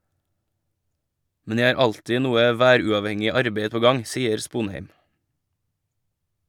Men jeg har alltid noe væruavhengig arbeid på gang, sier Sponheim.